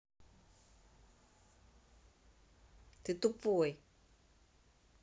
ты тупой